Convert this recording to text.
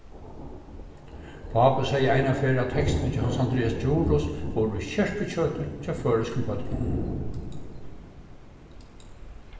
pápi segði einaferð at tekstirnir hjá hans andreas djurhuus vóru skerpikjøtið hjá føroyskum børnum